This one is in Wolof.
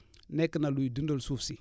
nekk na luy dundal suuf si